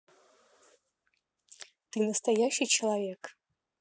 ты настоящий человек